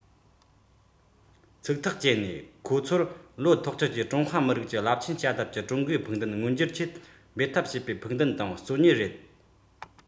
ཚིག ཐག བཅད ནས ཁོ ཚོར བློ ཐག ཆོད ཀྱིས ཀྲུང ཧྭ མི རིགས ཀྱི རླབས ཆེན བསྐྱར དར གྱི ཀྲུང གོའི ཕུགས འདུན མངོན འགྱུར ཆེད འབད འཐབ བྱེད པའི ཕུགས འདུན དང བརྩོན གཉེར རེད